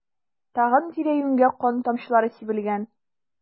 Тагын тирә-юньгә кан тамчылары сибелгән.